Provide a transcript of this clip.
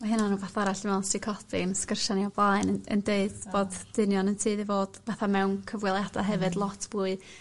Ma' hynna'n wbath arall dwi me'wl sy 'di codi yn sgyrsia ni o blaen yn yn deud bod dynion yn tueddu fod fatha mewn cyfweliada hefyd lot fwy